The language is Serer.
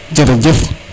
jerejef